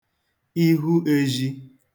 ihu ēzhī